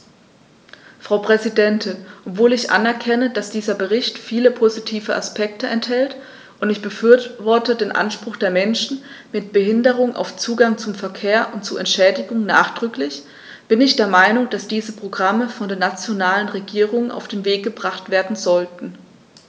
Frau Präsidentin, obwohl ich anerkenne, dass dieser Bericht viele positive Aspekte enthält - und ich befürworte den Anspruch der Menschen mit Behinderung auf Zugang zum Verkehr und zu Entschädigung nachdrücklich -, bin ich der Meinung, dass diese Programme von den nationalen Regierungen auf den Weg gebracht werden sollten.